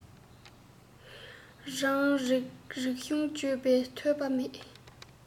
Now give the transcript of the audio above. རང རིགས རིག གཞུང སྦྱངས པའི ཐོས པ མེད